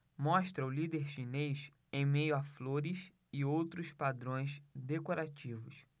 mostra o líder chinês em meio a flores e outros padrões decorativos